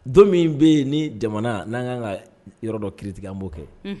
Don min be yen ni jamana nan ka kan ka yɔrɔ dɔ critiquer an bo kɛ. Unhun